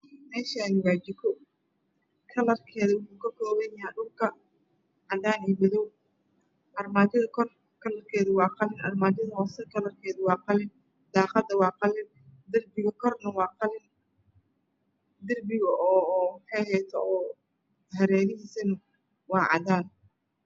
Meshani waa jiko kalarkeedu wuxuu ka koban yahay cadan iyo madoow armajada kor kalarkeedu waa qalin armajada kos waa qalin daqada waa qalin derbiga waa qalin derbiga hareerahiisa waa cadan